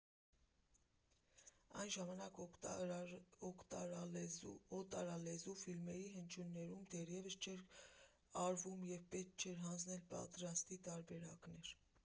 Այն ժամանակ օտարալեզու ֆիլմերի հնչյունավորում դեռ չէր արվում և պետք էր հանձնել պատրաստի տարբերակներ։